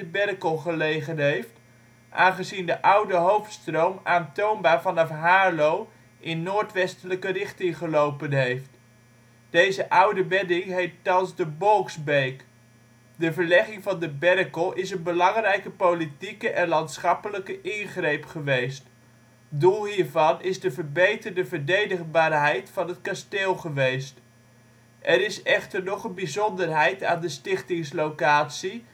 Berkel gelegen heeft, aangezien de oude hoofdstroom aantoonbaar vanaf Haarlo in noordwestlijke richting gelopen heeft. Deze oude bedding heet thans de Bolksbeek. De verlegging van de Berkel is een belangrijke politieke en landschappelijke ingreep geweest. Doel hiervan is de verbeterde verdedigbaarheid van het kasteel geweest. Er is echter nog een bijzonderheid aan de stichtingslocatie